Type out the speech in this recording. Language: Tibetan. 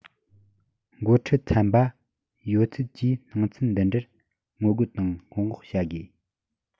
འགོ ཁྲིད ཚན པ ཡོད ཚད ཀྱིས སྣང ཚུལ འདི འདྲར ངོ རྒོལ དང སྔོན འགོག བྱ དགོས